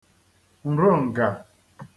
nrọǹgà